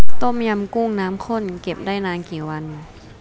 ต้มยำกุ้งน้ำข้นเก็บได้นานกี่วัน